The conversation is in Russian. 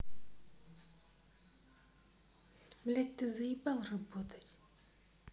блядь ты заебал работать